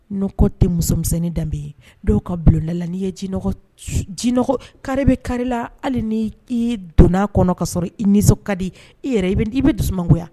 Nkɔ tɛ musomisɛnnin danbe ye dɔw ka bulonda la n'i ye kari bɛ karila hali n' i donna kɔnɔ ka sɔrɔ i nisɔn ka di e yɛrɛ i bɛ dusu mangoya